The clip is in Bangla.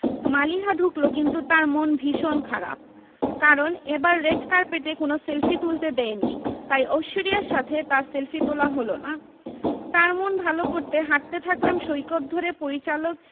মালিহা ঢুকলো কিন্তু তার মন ভীষণ খারাপ কারণ এবার রেড কার্পেটে কোনো সেলফি তুলতে দেয়নি তাই ঐশ্বরিয়ার সাথে তার সেলফি তোলা হলো না তার মন ভালো করতে হাঁটতে থাকলাম সৈকত ধরে পরিচালক